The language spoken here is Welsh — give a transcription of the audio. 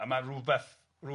a ma' rywbath, r'w-